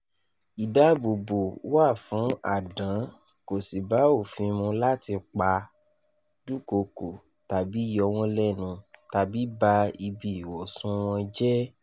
Ìdáàbòbò wà fún àdán kò sì bá òfin mu láti pa, dúkokò tàbi yọ wọ́n lẹ́nu tàbí ba ibi ìwọ̀sùn wọn jẹ́.